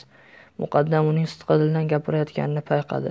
muqaddam uning sidqidildan gapirayotganini payqadi